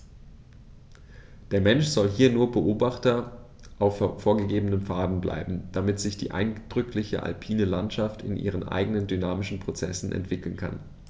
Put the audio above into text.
Der Mensch soll hier nur Beobachter auf vorgegebenen Pfaden bleiben, damit sich die eindrückliche alpine Landschaft in ihren eigenen dynamischen Prozessen entwickeln kann.